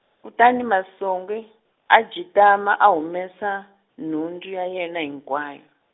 kutani Masungi, a jitama a humesa, nhundzu ya yena hinkwayo.